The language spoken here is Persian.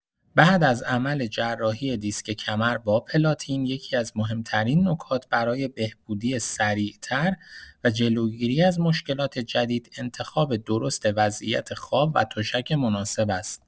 بعد از عمل جراحی دیسک کمر با پلاتین، یکی‌از مهم‌ترین نکات برای بهبودی سریع‌تر و جلوگیری از مشکلات جدید، انتخاب درست وضعیت خواب و تشک مناسب است.